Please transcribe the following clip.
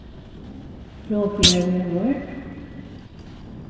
froðbiarvegur